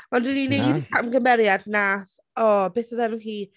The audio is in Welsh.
Maen nhw 'di wneud yr un camgymeriad wnaeth, o, beth odd enw hi?